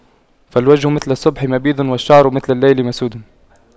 فالوجه مثل الصبح مبيض والشعر مثل الليل مسود